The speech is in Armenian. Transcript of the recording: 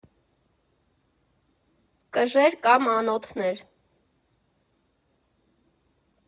Կժեր կամ անոթներ։